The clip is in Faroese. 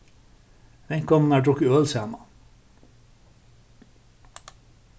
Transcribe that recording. vinkonurnar drukku øl saman